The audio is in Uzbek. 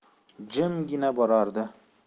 jimgina borardi